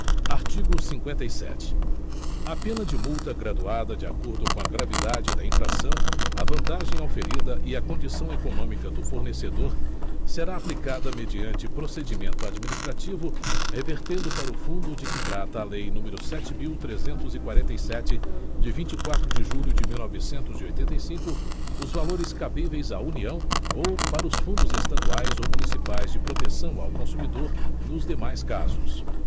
artigo cinquenta e sete a pena de multa graduada de acordo com a gravidade da infração a vantagem auferida e a condição econômica do fornecedor será aplicada mediante procedimento administrativo revertendo para o fundo de que trata a lei número sete mil trezentos e quarenta e sete de vinte e quatro de julho de mil novecentos e oitenta e cinco os valores cabíveis à união ou para os fundos estaduais ou municipais de proteção ao consumidor nos demais casos